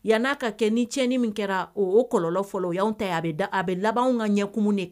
Yan n'a ka kɛ nicɲɛni min kɛra o o kɔlɔ fɔlɔ yan ta a bɛ a bɛ labanw ka ɲɛkun de